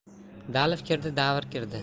dalv kirdi davr kirdi